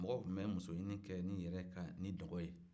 mɔgɔw tun be muso ɲini kɛ i yɛrɛ ni dungɔ ye